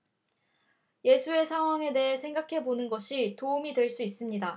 예수의 상황에 대해 생각해 보는 것이 도움이 될 수 있습니다